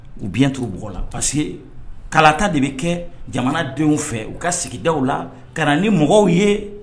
U bi t u b la parce que kalata de bɛ kɛ jamanadenw fɛ u ka sigida la ka ni mɔgɔw ye